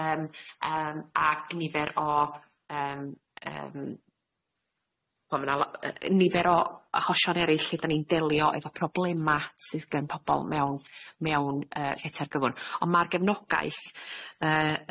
yym yym ac nifer o yym yym bo' ma' na lo- yy nifer o achosion eryll lle dan ni'n delio efo problema sydd gen pobol mewn mewn yy lletar gyfwn on' ma'r gefnogaeth yy